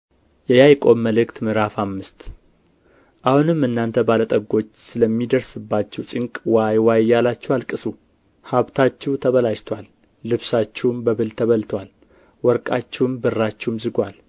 የያዕቆብ መልእክት ምዕራፍ አምስት አሁንም እናንተ ባለ ጠጎች ስለሚደርስባችሁ ጭንቅ ዋይ ዋይ እያላችሁ አልቅሱ ሀብታችሁ ተበላሽቶአል ልብሳችሁም በብል ተበልቶአል ወርቃችሁም ብራችሁም ዝጎአል